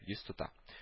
Йөз тота